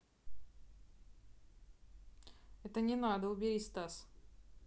это не надо убери стас